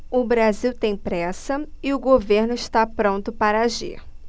o brasil tem pressa e o governo está pronto para agir